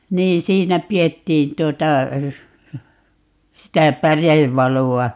niin siinä pidettiin tuota sitä pärevaloa